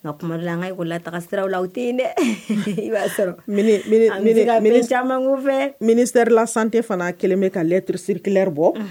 Nka tuma dɔw la an ka lakɔlitagasiraw la u tɛ yen dɛ, i b'a sɔrɔ caman kunfɛ ministère de la santé fana kɛlen bɛ ka lettre circulaire bɔ